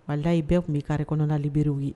Walayi bɛɛ tun bɛ' kariri kɔnɔnalibriw ye